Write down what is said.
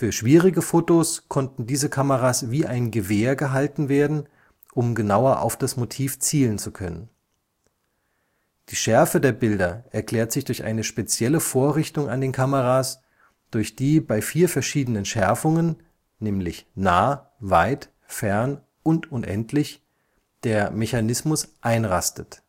schwierige Fotos konnten diese Kameras wie ein Gewehr gehalten werden, um genauer auf das Motiv zielen zu können. Die Schärfe der Bilder erklärt sich durch eine spezielle Vorrichtung an den Kameras, durch die bei vier verschiedenen Schärfungen – nah, weit, fern und unendlich – der Mechanismus einrastet